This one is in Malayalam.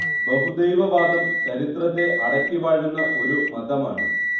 ബഹുദൈവ വാദം ചരിത്രത്തെ അടക്കി വാഴുന്ന ഒരു മതമാണ്